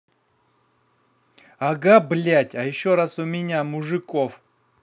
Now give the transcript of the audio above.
ага блядь а еще раз у меня мужиков